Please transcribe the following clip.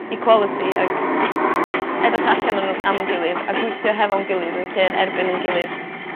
equality ag edrych allan ano am 'yn gilydd a gwithio hefo'n gilydd yn lle'n erbyn 'yn gilydd